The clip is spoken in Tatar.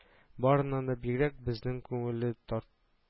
Барыннан да бигрәк безнең күңелле тар